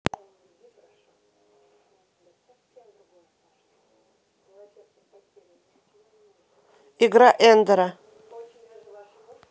игра эндера